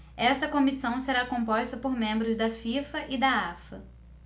essa comissão será composta por membros da fifa e da afa